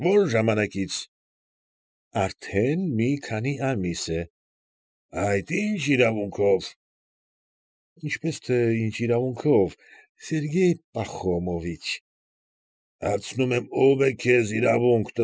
Ո՞ր ժամանակից։ ֊ Արդեն մի քանի ամիս է։ ֊ Այդ ի՞նչ իրավունքով։ ֊ Ինչպես թե ի՞նչ իրավունքով, Սերգեյ Պախոմովիչ։ ֊ Հարցնում եմ, ո՞վ է քեզ իրավունք։